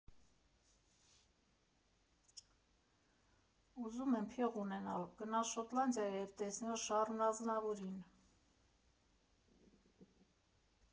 Ուզում եմ փիղ ունենալ, գնալ Շոտլանդիա և տեսնել Շառլ Ազնավուրին։